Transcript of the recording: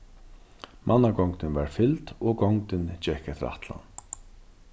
mannagongdin var fylgd og gongdin gekk eftir ætlan